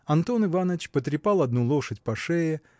Антон Иваныч потрепал одну лошадь по шее